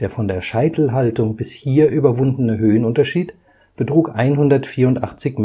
von der Scheitelhaltung bis hier überwundene Höhenunterschied betrug 184